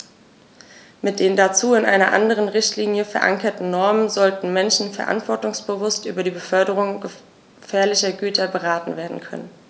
Mit den dazu in einer anderen Richtlinie, verankerten Normen sollten Menschen verantwortungsbewusst über die Beförderung gefährlicher Güter beraten werden können.